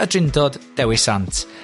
y drindod dewi sant